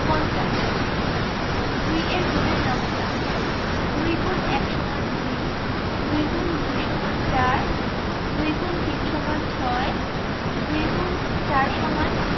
৫০ ২ এর গুণের নামতা ২ X ১ = ২ ২ X ২ = ৪ ২ X ৩ = ৬ ২ X ৪ =